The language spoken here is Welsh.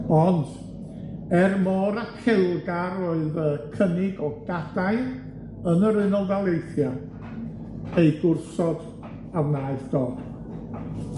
Ond, er mor apelgar oedd y cynnig o gadair yn yr Unol Daleithia, ei gwrthod a wnaeth Dodd.